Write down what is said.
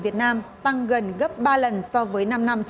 việt nam tăng gần gấp ba lần so với năm năm